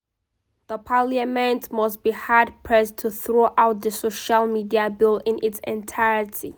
The Parliament must be hard-pressed to throw out the social media bill in its entirety.